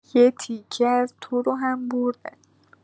یه تیکه از تو رو هم بردن.